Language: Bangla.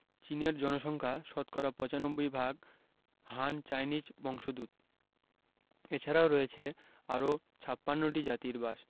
চীনের জনসংখ্যা শতকরা ৯৫ ভাগ হান চাইনিজ বংশোদূত এছারাও রয়েছে আরও ৫৬ টি জাতির বাস